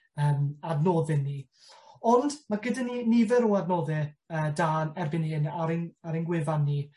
yym adnodde ni. Ond, ma' gyda ni nifer o adnodde yy da erbyn hyn ar ein ar ein gwefan ni.